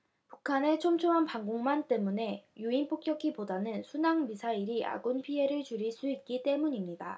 북한의 촘촘한 방공망 때문에 유인 폭격기보다는 순항미사일이 아군 피해를 줄일 수 있기 때문입니다